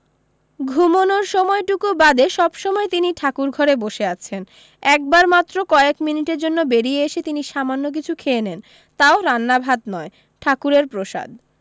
ঘুমনোর সময়টুকু বাদে সব সময় তিনি ঠাকুরঘরে বসে আছেন একবার মাত্র কয়েক মিনিটের জন্য বেরিয়ে এসে তিনি সামান্য কিছু খেয়ে নেন তাও রান্না ভাত নয় ঠাকুরের প্রসাদ